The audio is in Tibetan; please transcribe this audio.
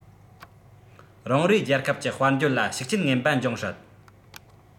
རང རེའི རྒྱལ ཁབ ཀྱི དཔལ འབྱོར ལ ཤུགས རྐྱེན ངན པ འབྱུང སྲིད